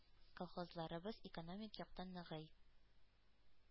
Колхозларыбыз экономик яктан ныгый.